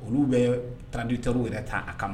Olu bɛ traducteurs yɛrɛ ta a kama.